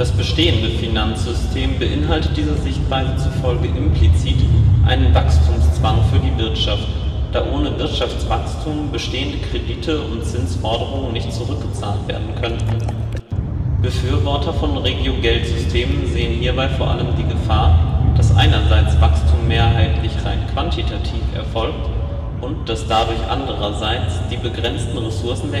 bestehende Finanzsystem beinhaltet dieser Sichtweise zufolge implizit einen Wachstumszwang für die Wirtschaft, da ohne Wirtschaftswachstum bestehende Kredite und Zinsforderungen nicht zurückgezahlt werden könnten. Befürworter von Regiogeldsystemen sehen hierbei vor allem die Gefahr, dass einerseits Wachstum mehrheitlich rein quantitativ (statt qualitativ) erfolgt und dass dadurch andererseits die begrenzten Ressourcen